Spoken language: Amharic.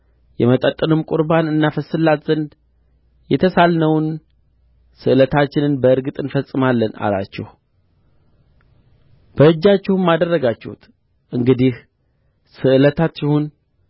የመጠጥንም ቍርባን እናፈስስላት ዘንድ የተሳልነውን ስእለታችንን በእርግጥ እንፈጽማለን አላችሁ በእጃችሁም አደረጋችሁት እንግዲህ ስእለታችሁን